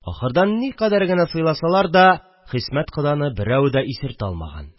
Ахырдан никадәр генә сыйласалар да, Хисмәт коданы берәү дә исертә алмаган